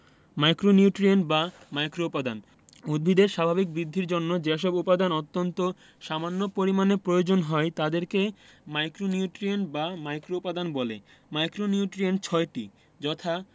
micronutrient বা মাইক্রোউপাদান উদ্ভিদের স্বাভাবিক বৃদ্ধির জন্য যেসব উপাদান অত্যন্ত সামান্য পরিমাণে প্রয়োজন হয় তাদেরকে মাইক্রোনিউট্রিয়েন্ট বা মাইক্রোউপাদান বলে মাইক্রোনিউট্রিয়েন্ট ৬টি যথা